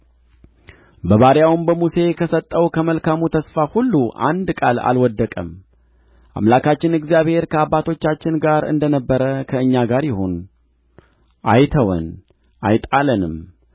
ባሪያው በሙሴ ከሰጠው ከመልካም ተስፋ ሁሉ አንድ ቃል አልወደቀም አምላካችን እግዚአብሔር ከአባቶቻችን ጋር እንደ ነበረ ከእኛ ጋር ይሁን አይተወን አይጣለንም